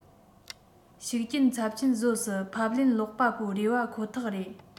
ཤུགས རྐྱེན ཚབས ཆེན བཟོ སྲིད ཕབ ལེན ཀློག པ པོའི རེད པ ཁོ ཐག རེད